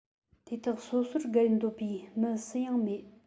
དེ དག སོ སོར བཀར འདོད པའི མི སུ ཡང མེད